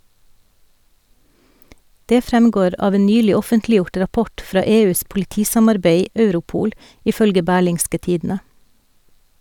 Det fremgår av en nylig offentliggjort rapport fra EUs politisamarbeid Europol, ifølge Berlingske Tidende.